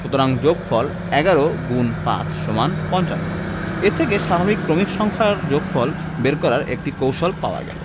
সুতরাং যোগফল ১১গুণ৫সমান৫৫ এ থেকে স্বাভাবিক ক্রমিক সংখ্যার যোগফল বের করার একটি কৌশল পাওয়া গেল